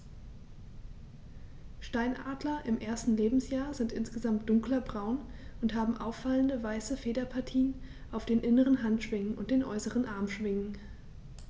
Steinadler im ersten Lebensjahr sind insgesamt dunkler braun und haben auffallende, weiße Federpartien auf den inneren Handschwingen und den äußeren Armschwingen.